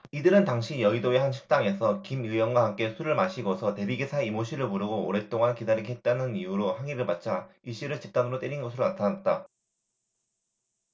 이들은 당시 여의도의 한 식당에서 김 의원과 함께 술을 마시고서 대리기사 이모씨를 부르고 오랫동안 기다리게 했다는 이유로 항의를 받자 이씨를 집단으로 때린 것으로 나타났다